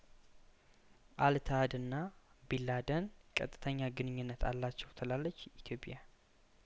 አል እት ሀድና ቢን ላደን ቀጥተኛ ግንኙነት አላቸውትላለች ኢትዮጵያ